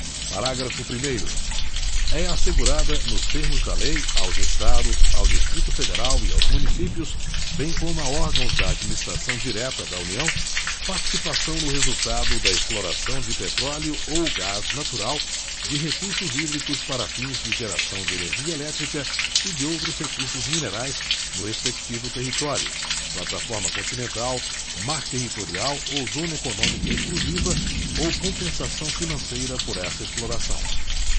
parágrafo primeiro é assegurada nos termos da lei aos estados ao distrito federal e aos municípios bem como a órgãos da administração direta da união participação no resultado da exploração de petróleo ou gás natural de recursos hídricos para fins de geração de energia elétrica e de outros recursos minerais no respectivo território plataforma continental mar territorial ou zona econômica exclusiva ou compensação financeira por essa exploração